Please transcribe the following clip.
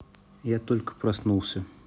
я только проснулся